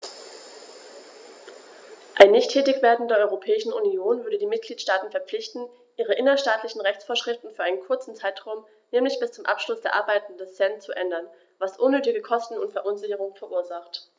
Ein Nichttätigwerden der Europäischen Union würde die Mitgliedstaten verpflichten, ihre innerstaatlichen Rechtsvorschriften für einen kurzen Zeitraum, nämlich bis zum Abschluss der Arbeiten des CEN, zu ändern, was unnötige Kosten und Verunsicherungen verursacht.